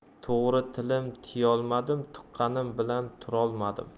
to'g'ri tilim tiyolmadim tuqqanim bilan turolmadim